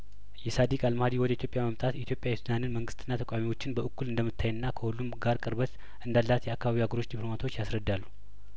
የሳዲቅ አልማህዲ ወደ ኢትዮጵያ መምጣት ኢትዮጵያ የሱዳንን መንግስትና ተቃዋሚዎችን በእኩል እንደምታ ይና ከሁለቱም ጋር ቅርበት እንዳላት የአካባቢው አገሮች ዲፕሎማቶች ያስረዳሉ